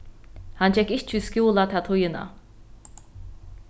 hann gekk ikki í skúla ta tíðina